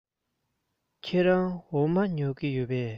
ཁྱེད རང འོ མ ཉོ གི ཡོད པས